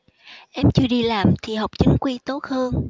em chưa đi làm thì học chính quy tốt hơn